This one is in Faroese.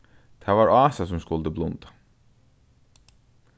tað var ása sum skuldi blunda